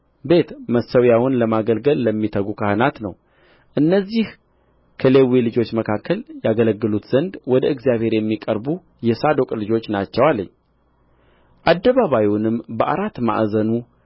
ቤት መሠዊያውን ለማገልገል ለሚተጉ ካህናት ነው እነዚህ ከሌዊ ልጆች መካከል ያገለግሉት ዘንድ ወደ እግዚአብሔር የሚቀርቡ የሳዶቅ ልጆች ናቸው አለኝ አደባባዩንም በአራት ማዕዘኑ